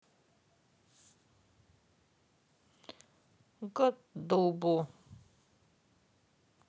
к дубу